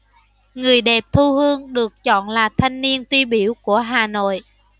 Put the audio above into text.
người đẹp thu hương được chọn là thanh niên tiêu biểu của hà nội